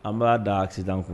An b'a da accident kun